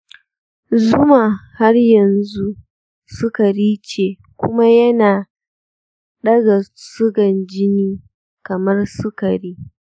zuma har yanzu sukari ce kuma yana ɗaga sugan jini kamar sukari.